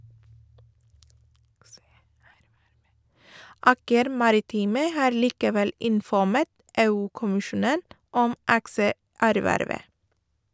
Aker Maritime har likevel informert EU-kommisjonen om aksjeervervet.